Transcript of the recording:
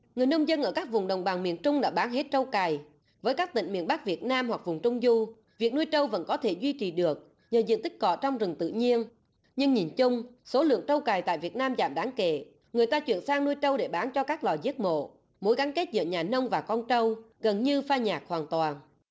người nông dân ở các vùng đồng bằng miền trung đã bán hết trâu cày với các tỉnh miền bắc việt nam hoặc vùng trung du việc nuôi trâu vẫn có thể duy trì được nhờ diện tích cỏ trong rừng tự nhiên nhưng nhìn chung số lượng trâu cày tại việt nam giảm đáng kể người ta chuyển sang nuôi trâu để bán cho các lò giết mổ mối gắn kết giữa nhà nông và con trâu gần như phai nhạt hoàn toàn